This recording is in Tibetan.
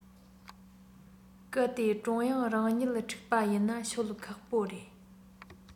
གལ ཏེ ཀྲུང དབྱང རང གཉིད འཁྲུག པ ཡིན ན ཤོད ཁག པོ རེད